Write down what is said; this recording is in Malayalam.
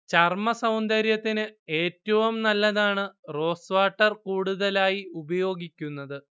ചർമ്മ സൗന്ദര്യത്തിന് ഏറ്റവും നല്ലതാണ് റോസ് വാട്ടർ കൂടുതലായി ഉപയോഗിക്കുന്നത്